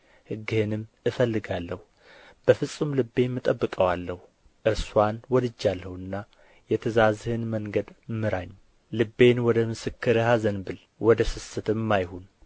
ሕግህንም እፈልጋለሁ በፍጹም ልቤም እጠብቀዋለሁ እርስዋን ወድጃለሁና የትእዛዝህን መንገድ ምራኝ ልቤን ወደ ምስክርህ አዘንብል ወደ ስስትም አይሁን